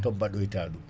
to baɗoy ta ɗum